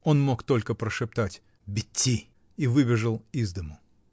он мог только прошептать: "Бетси" -- и выбежал из дому.